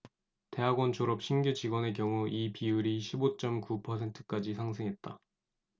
대학원 졸업 신규직원의 경우 이 비율이 십 오 쩜 구 퍼센트까지 상승했다